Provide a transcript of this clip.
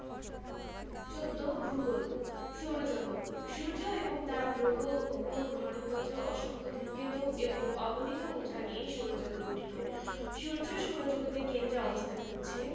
১৪ ভূগোল সৌরজগৎ সূর্য এবং তার গ্রহ উপগ্রহ গ্রহাণুপুঞ্জ অসংখ্য ধুমকেতু এবং অগণিত উল্কা নিয়ে সৌরজগৎ গঠিত সূর্য সৌরজগতের কেন্দ্রে অবস্থান করছে